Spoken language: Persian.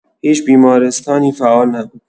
هیچ بیمارستانی فعال نبود.